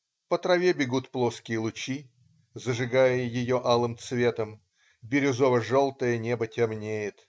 По траве бегут плоские лучи, зажигая ее алым цветом. Бирюзово-желтое небо темнеет.